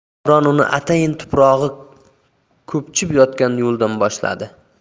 davron uni atayin tuprog'i ko'pchib yotgan yo'ldan boshladi